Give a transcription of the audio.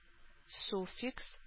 Суффикс